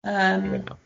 Yym.